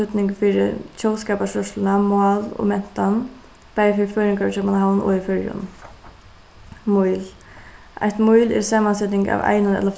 týdning fyri mál og mentan bæði fyri føroyingar í keypmannahavn og í føroyum mýl eitt mýl er samanseting av einum ella